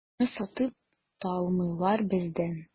Аны сатып та алмыйлар бездән.